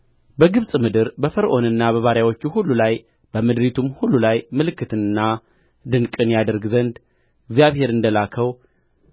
በግብፅ ምድር በፈርዖንና በባሪያዎቹ ሁሉ ላይ በምድሪቱም ሁሉ ላይ ምልክትንና ድንቅን ያደርግ ዘንድ እግዚአብሔር እንደ ላከው